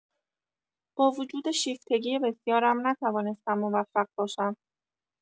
با وجود شیفتگی بسیارم، نتوانستم موفق باشم.